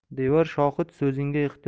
devor shohid so'zingga